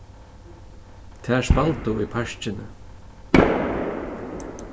tær spældu í parkini